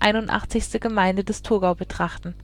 81. Gemeinde des Thurgau betrachten.